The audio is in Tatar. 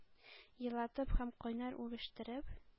Елатып һәм кайнар үбештереп,